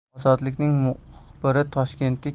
ozodlik ning muxbiri toshkentga